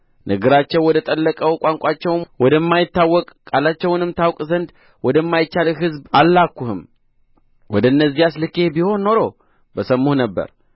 ንግግራቸው ወደ ጠለቀው ቋንቋቸውም ወደማይታወቅ ቃላቸውንም ታውቅ ዘንድ ወደማይቻልህ ሕዝብ አልላክሁህም ወደ እነዚያስ ልኬህ ቢሆን ኖሮ በሰሙህ ነበር